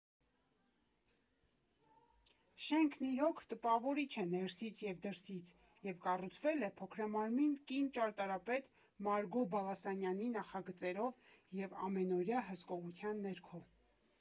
Շենքն իրոք տպավորիչ է ներսից և դրսից և կառուցվել է փոքրամարմին կին ճարտարապետ Մարգո Բալասանյանի նախագծերով և ամենօրյա հսկողության ներքո։